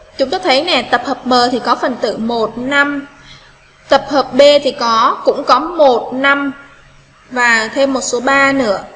trực tiếp thế này tập hợp m thì có phần tử tập hợp b thì có cũng có và thêm một số ba nữa